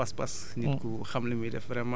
di di nit ku am pas-pas